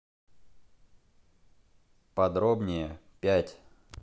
подробнее пять